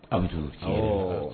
Awdu